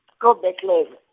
ko Bethlehem.